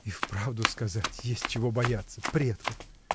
— И правду сказать, есть чего бояться предков!